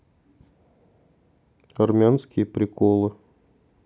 армянские приколы